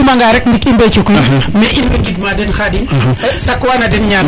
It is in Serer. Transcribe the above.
i lima nga rek ndik i mbeco kiin mais in way ngid ma den Khadim sak wa den ñan